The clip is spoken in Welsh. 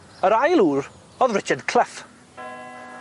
Yr ail wr o'dd Richard Clough.